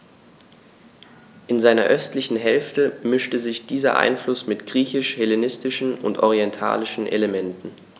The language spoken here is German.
In seiner östlichen Hälfte mischte sich dieser Einfluss mit griechisch-hellenistischen und orientalischen Elementen.